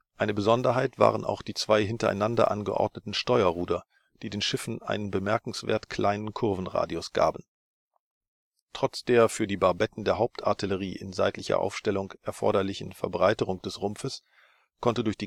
Eine Besonderheit waren die zwei hintereinander angeordneten Steuerruder, die den Schiffen einen bemerkenswert kleinen Kurvenradius gaben. Trotz der für die Barbetten der Hauptartillerie in seitlicher Aufstellung erforderlichen Verbreiterung des Rumpfes konnte durch